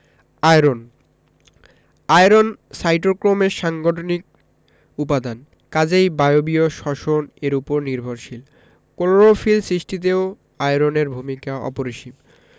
iron iron সাইটোক্রোমের সাংগঠনিক উপাদান কাজেই বায়বীয় শ্বসন এর উপর নির্ভরশীল ক্লোরোফিল সৃষ্টিতেও আয়রনের ভূমিকা অপরিসীম